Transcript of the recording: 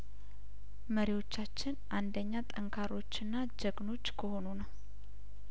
መሪዎቻችን አንደኛ ጠንካሮች እና ጀግኖች ከሆኑ ነው